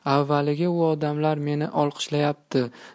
avaliga u odamlar meni olqishlayotibdi